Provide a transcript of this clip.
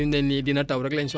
waaw ñooñu tamit